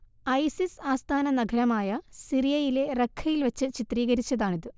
ISIS ആസ്ഥാന നഗരമായ സിറിയയിലെ റഖ്ഖയിൽ വച്ച് ചിത്രീകരിച്ചതാണിത്